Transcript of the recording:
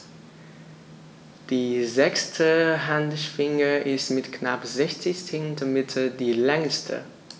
Die sechste Handschwinge ist mit knapp 60 cm die längste.